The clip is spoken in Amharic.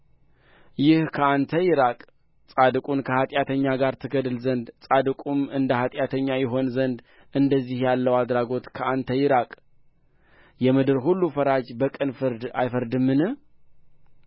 ይህ ከአንተ ይራቅ ጻድቁን ከኃጢአተኛ ጋር ትገድል ዘንድ ጻድቁም እንደ ኃጢአተኛ ይሆን ዘንድ እንደዚህ ያለው አድራጎት ከአንተ ይራቅ የምድር ሁሉ ፈራጅ በቅን ፍርድ አይፈርድምን